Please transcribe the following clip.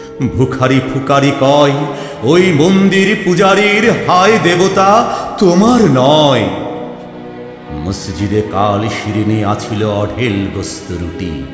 ভুখারী ফুকারি কয় ঐ মন্দির পূজারীর হায় দেবতা তোমার নয় মসজিদে কাল শিরনী আছিল অঢেল গোস্ত রুটি